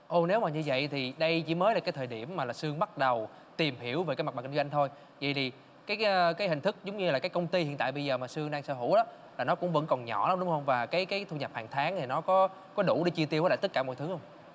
ồ nếu mà như vậy thì đây chỉ mới là cái thời điểm mà là sương bắt đầu tìm hiểu về cái mặt bằng kinh doanh thôi vậy thì cái a cái hình thức giống như là cái công ty hiện tại bây giờ mà sương đang sở hữu á là nó cũng vẫn còn nhỏ lắm đúng hông và cái cái thu nhập hàng tháng thì nó có có đủ để chi tiêu với lại tất cả mọi thứ không